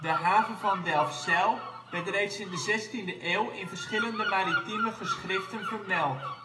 haven van Delfzijl werd reeds in de 16e eeuw in verschillende maritieme geschriften vermeld